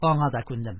Аңа да күндем.